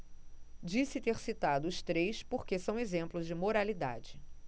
disse ter citado os três porque são exemplos de moralidade